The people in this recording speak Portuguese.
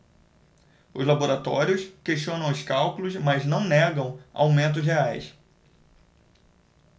os laboratórios questionam os cálculos mas não negam aumentos reais